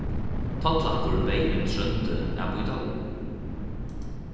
tollakur beyð nú tróndi at býta um